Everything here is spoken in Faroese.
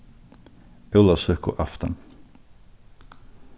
ólavsøkuaftan